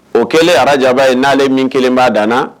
O kɛlen arajaba ye n'ale min kelen b'a danna